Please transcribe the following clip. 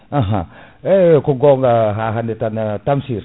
hum eyyi ko gonga ha hande tan Tamsir